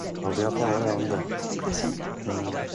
Wel diolch y' fawr iawn 'de. Croso. Yym